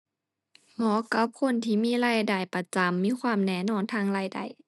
เหมาะกับคนที่มีรายได้ประจำมีความแน่นอนทางรายได้